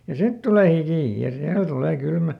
ja sitten tulee hiki ja silloin tulee kylmä